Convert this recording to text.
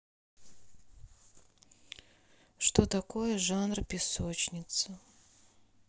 что такое жанр песочница